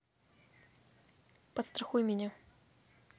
подстрахуй меня